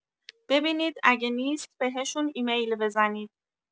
ببینید اگه نیست بهشون ایمیل بزنید